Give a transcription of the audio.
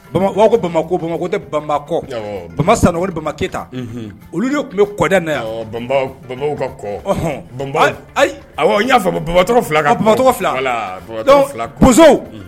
Ko bama ko bamakɔ ko tɛ bamakɔ bama o ni bamabakɛyita olu de tun bɛ kɔd na yan kɔ ayi a y'a fɔ ma bamabatɔ fila ka bamatɔ fila